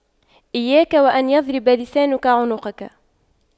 إياك وأن يضرب لسانك عنقك